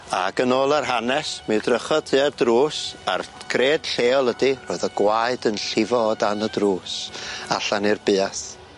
Ag yn ôl yr hanes mi edrychodd tua'r drws a'r cred lleol ydi roedd y gwaed yn llifo o dan y drws allan i'r buath.